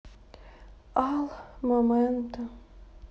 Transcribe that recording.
al momento